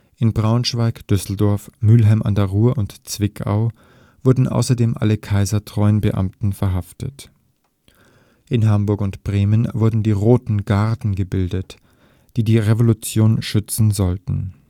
In Braunschweig, Düsseldorf, Mülheim an der Ruhr und Zwickau wurden außerdem alle kaisertreuen Beamten verhaftet. In Hamburg und Bremen wurden „ Rote Garden “gebildet, die die Revolution schützen sollten